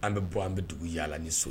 An bɛ bɔ an bɛ dugu yaala ni so